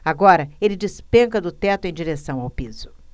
agora ele despenca do teto em direção ao piso